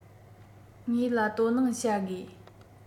ངའི ལ དོ སྣང བྱ དགོས